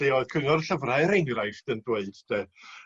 lle oedd cyngor llyfrau er enghraifft yn dweud 'de